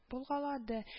Булгалады